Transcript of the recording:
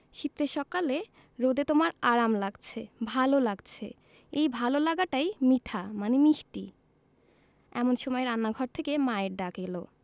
শীতের সকালে রোদে তোমার আরাম লাগছে ভালো লাগছে এই ভালো লাগাটাই মিঠা মানে মিষ্টি এমন সময় রান্নাঘর থেকে মায়ের ডাক এলো